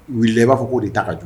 Wuli i b'a fɔ k'o de tɛ ka jugu